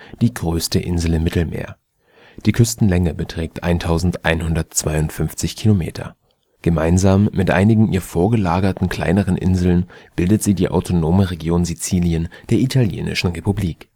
die größte Insel im Mittelmeer. Die Küstenlänge beträgt 1152 Kilometer. Gemeinsam mit einigen ihr vorgelagerten kleineren Inseln bildet sie die Autonome Region Sizilien der Italienischen Republik